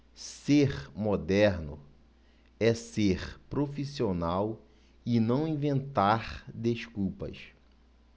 ser moderno é ser profissional e não inventar desculpas